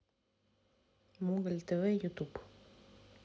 моголь тв ютуб